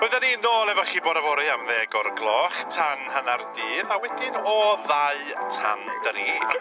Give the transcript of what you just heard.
Byddan ni nôl efo chi bore fory am ddeg o'r gloch tan hannar 'di un a wedyn o ddau tan dri.